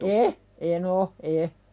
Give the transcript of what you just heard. en en ole en